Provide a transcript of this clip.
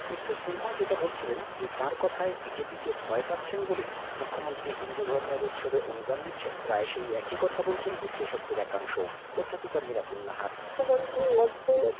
mister সিনহাও যেটা বলেছিলেন যে তার কথায় বিজেপিকে ভয় পাচ্ছেন বলেই মুখ্যমন্ত্রী হিন্দু ধর্মের উৎসবে অনুদান দিচ্ছেন প্রায় সেই একই কথা বলছেন বিশ্লেষকদের একাংশ অধ্যাপিকা মীরাতুন নাহার মুখ্যমন্ত্রীর মধ্যে